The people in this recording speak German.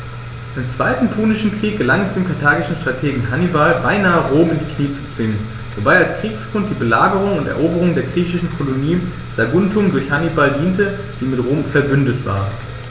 Im Zweiten Punischen Krieg gelang es dem karthagischen Strategen Hannibal beinahe, Rom in die Knie zu zwingen, wobei als Kriegsgrund die Belagerung und Eroberung der griechischen Kolonie Saguntum durch Hannibal diente, die mit Rom „verbündet“ war.